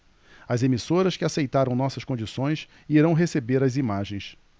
as emissoras que aceitaram nossas condições irão receber as imagens